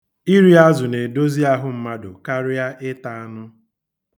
Iri azụ na-edozi ahụ mmadụ karịa ita anụ.